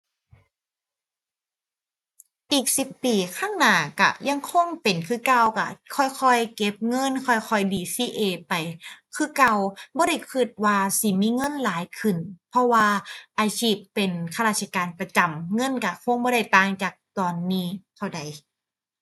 อีกสิบปีข้างหน้าก็ยังคงเป็นคือเก่า ก็ค่อยค่อยเก็บเงิน ค่อยค่อย DCA ไปคือเก่า บ่ได้ก็ว่าสิมีเงินหลายขึ้น เพราะว่า อาชีพเป็นข้าราชการประจำ เงินก็คงบ่ได้ต่างจากตอนนี้เท่าใด